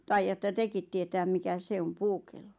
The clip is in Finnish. taidatte tekin tietää mikä se on puukello